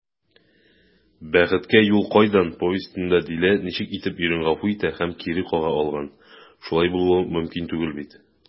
«бәхеткә юл кайдан» повестенда дилә ничек итеп ирен гафу итә һәм кире кага алган, шулай булуы мөмкин түгел бит?»